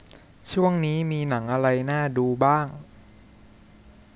ช่วงนี้มีหนังอะไรน่าดูบ้าง